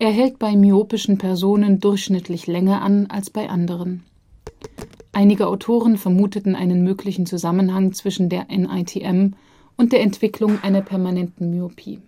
hält bei myopischen Personen durchschnittlich länger an als bei anderen. Einige Autoren vermuteten einen möglichen Zusammenhang zwischen der NITM und der Entwicklung einer permanenten Myopie